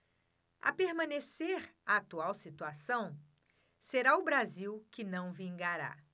a permanecer a atual situação será o brasil que não vingará